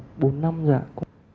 bốn năm rồi ạ